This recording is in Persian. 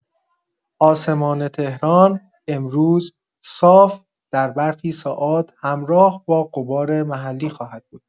آسمان تهران امروز صاف در برخی ساعات همراه با غبار محلی خواهد بود.